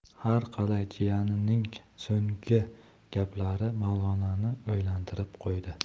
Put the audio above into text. har qalay jiyanining so'nggi gaplari mavlononi o'ylantirib qo'ydi